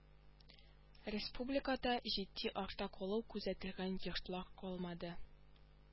Республикада җитди артта калу күзәтелгән йортлар калмады